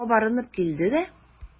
Кабарынып килде дә.